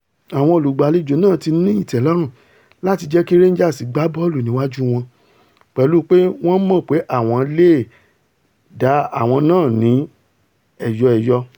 Àwọn olùgbàlejò náà ti ní ìtẹ́lọ́rùn láti jẹ́kí Rangers gbá bọ́ọ̀lú níwájú wọn, pẹ̀lú pé wọ́n mọ́pè àwọn leè da àwọn náà ní ẹyọ-ẹyọ.